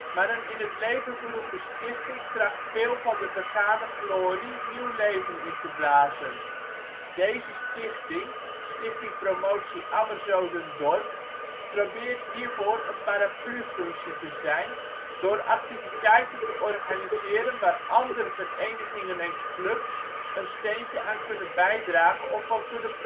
maar een in het leven geroepen stichting tracht veel van de vergane glorie nieuw leven in te blazen. Deze stichting, Stichting Promotie Ammerzoden Dorp, probeert hiervoor een paraplufunctie te zijn, door activiteiten te organiseren waar andere verenigingen en clubs een steentje aan kunnen bijdragen of van kunnen profiteren